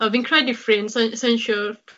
A fi'n credu ffrind sai'n sai'n siŵr,